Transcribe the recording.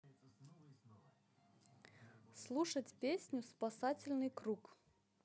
слушать песню спасательный круг